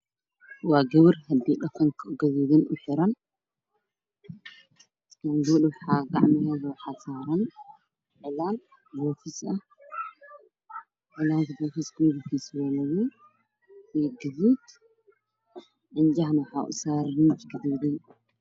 Waa gabar hidde iyo dhaqan gaduudan u xiran gabadha gacmaheeda waxaa saaran illaan buufis ah waxayna qabtaa hidde iyo dhaqan